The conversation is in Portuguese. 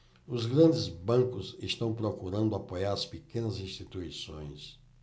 os grandes bancos estão procurando apoiar as pequenas instituições